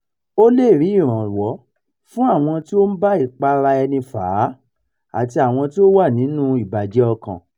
Ó lè rí ìrànwọ́ fún àwọn tí ó ń bá ìparaẹni fà á àti àwọn tí ó wà nínú ìbàjẹ́ ọkàn.